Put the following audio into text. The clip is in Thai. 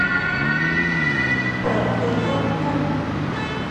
เปิดเพลงลูกทุ่ง